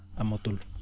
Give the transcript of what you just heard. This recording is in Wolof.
amatul